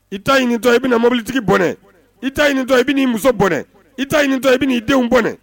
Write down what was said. I ta ɲinitɔ i bɛna mɔbilitigi bɔnɛ, i ta ɲinitɔ i bɛna i muso bɔnɛ, i ta ɲinitɔ i bɛna i denw bɔnɛ